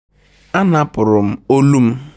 A napụrụ m olu m!